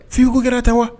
Fiko kɛra tɛ wa